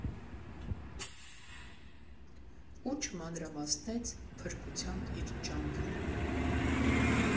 Ու չմանրամասնեց «փրկության իր ջանքը»։